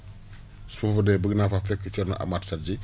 su ma fa demee bëgg naa faa fekk Thierno Amath Sadji